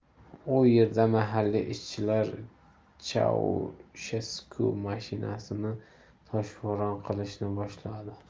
u yerda mahalliy ishchilar chaushesku mashinasini toshbo'ron qilishni boshladi